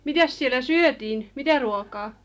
mitäs siellä syötiin mitä ruokaa